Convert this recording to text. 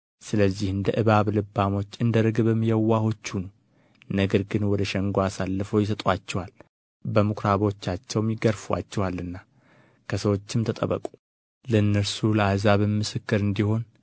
ስለዚህ እንደ እባብ ልባሞች እንደ ርግብም የዋሆች ሁኑ ነገር ግን ወደ ሸንጎ አሳልፈው ይሰጡአችኋል በምኩራቦቻቸውም ይገርፉአችኋልና ከሰዎች ተጠበቁ ለእነርሱና ለአሕዛብም ምስክር እንዲሆን